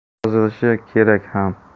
yozilishi kerak ham